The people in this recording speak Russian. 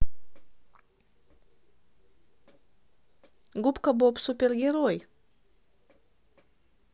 губка боб супергерой